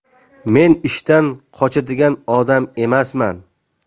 men ishdan qochadigan odam emasman